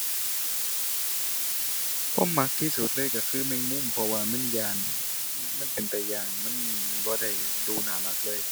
บ่มักที่สุดเลยก็คือแมงมุมเพราะว่ามันย้าน มันเป็นตาย้าน มันบ่ได้ดูน่ารักเลย